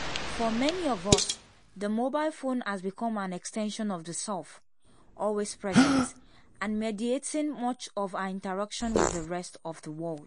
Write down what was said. For many of us, the mobile phone has become an extension of the self – always present, and mediating much of our interaction with the rest of the world.